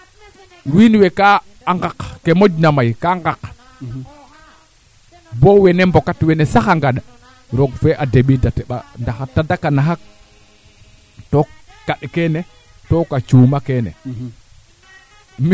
waaga ngoroƴ rel bonu ndetna bo njol a waxtune ne'e oona to jegee waaga ŋoroƴ rel a soɓa koye ndeysaan a demba maaga te ley ina de a fita naaga ndaa fadiide mene